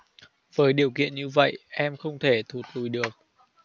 với điều kiện như vậy em không thể thụt lùi được